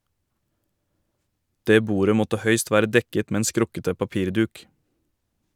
Det bordet måtte høyst være dekket med en skrukkete papirduk.